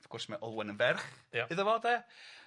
Wrth gwrs mae Olwen yn ferch... Ia. ...iddo fo de.